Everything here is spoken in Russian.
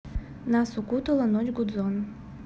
нас укутала ночь гудзон